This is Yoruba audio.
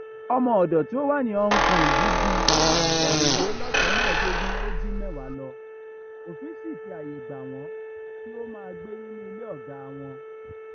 Ọmọ-ọ̀dọ̀ tí ó wà ní Hong Kong ju 370,000 lọ, òfin ṣì fi àyè gbà wọ́n kí ó máa gbé nínú ilé ọ̀gáa wọn.